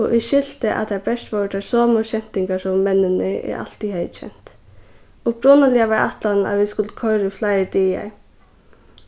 og eg skilti at teir bert vóru teir somu skemtingarsomu menninir eg altíð hevði kent upprunaliga var ætlanin at vit skuldu koyra í fleiri dagar